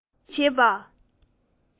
སློབ ཁྲིད བྱེད པ